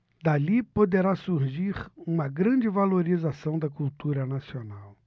dali poderá surgir uma grande valorização da cultura nacional